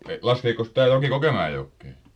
laskeekos tämä joki Kokemäenjokeen